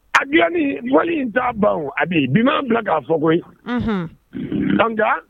A dilali fɔli in t'a ban wo, Abi. B m'an bila k'a fɔ koyi.